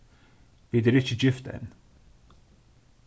vit eru ikki gift enn